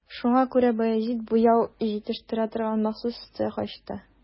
Шуңа күрә Баязит буяу җитештерә торган махсус цех ачты.